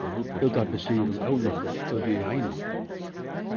útvarpið sigur um ólukkur úti í heimi